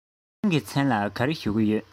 ཁོང གི མཚན ལ ག རེ ཞུ གི ཡོད རེད